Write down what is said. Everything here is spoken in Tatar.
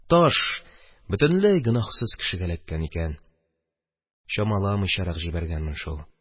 Таш бөтенләй гөнаһсыз кешегә эләккән икән, чамаламыйчарак җибәргәнмен шул.